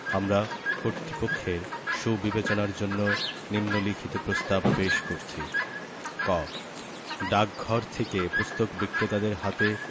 আমরা কর্তৃপক্ষের সুবিবেচনার জন্য নিন্ম লিখিত প্রস্তাব পেশ করছি ক ডাকঘর থেকে পুস্তক বিক্রেতাদের হাতে